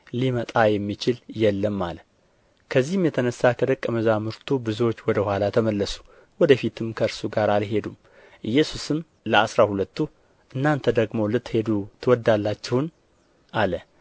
ሊመጣ የሚችል የለም አለ ከዚህም የተነሣ ከደቀ መዛሙርቱ ብዙዎች ወደ ኋላ ተመለሱ ወደ ፊትም ከእርሱ ጋር አልሄዱም ኢየሱስም ለአሥራ ሁለቱ እናንተ ደግሞ ልትሄዱ ትወዳላችሁን አለ